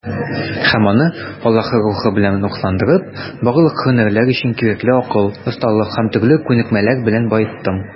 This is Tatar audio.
Һәм аны, Аллаһы Рухы белән рухландырып, барлык һөнәрләр өчен кирәкле акыл, осталык һәм төрле күнекмәләр белән баеттым.